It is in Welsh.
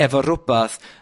efo rwbath